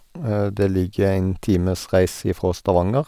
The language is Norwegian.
Det ligger en times reise ifra Stavanger.